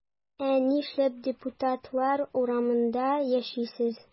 Ә нишләп депутатлар урамында яшисез?